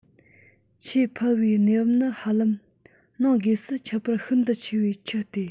ཆེས ཕལ བའི གནས བབ ནི ཧ ལམ ནང སྒོས སུ ཁྱད པར ཤིན ཏུ ཆེ བའི ཁྱུ སྟེ